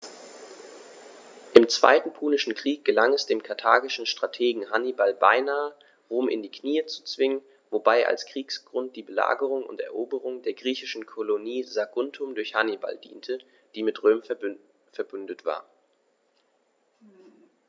Im Zweiten Punischen Krieg gelang es dem karthagischen Strategen Hannibal beinahe, Rom in die Knie zu zwingen, wobei als Kriegsgrund die Belagerung und Eroberung der griechischen Kolonie Saguntum durch Hannibal diente, die mit Rom „verbündet“ war.